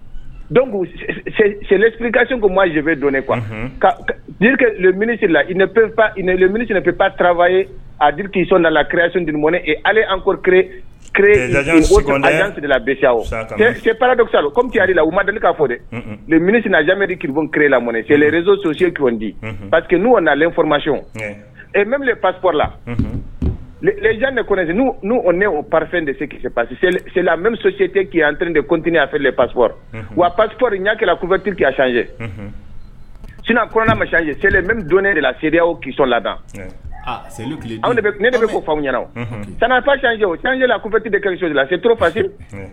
Selikasife kuwappina pp tarawelefaye a ki kirela sa ti la u ma deli k' fɔ kiriplaredi pa n'ulenmasi pasp la ɛe'u ne o pa de se kite ki det a pasp wa papri ɲala kuuptiya sinanasi ye seli don ne de la seere o kiso lada seli ne de bɛ' fa ɲɛnala kuptite so lasi